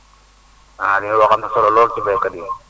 ah li muy wax am na solo lool si baykat yi